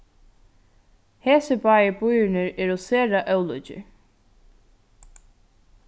hesir báðir býirnir eru sera ólíkir